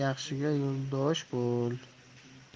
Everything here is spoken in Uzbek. yaxshiga yo'ldosh bo'l